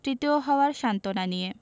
তৃতীয় হওয়ার সান্ত্বনা নিয়ে